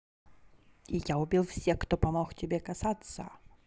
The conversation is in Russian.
я убил всех кто помог тебе касаться